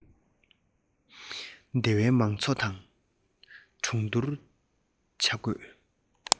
སྡེ བའི མང ཚོགས དང གྲོས བསྡུར བྱ དགོས